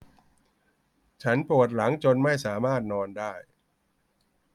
ฉันปวดหลังจนไม่สามารถนอนได้